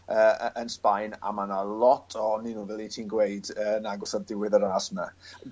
yy y- yn Sbaen a ma' 'na lot ohonyn n'w fel yt ti'n gweud yy yn agos ar diwedd y ras wnna.